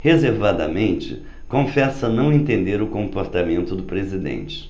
reservadamente confessa não entender o comportamento do presidente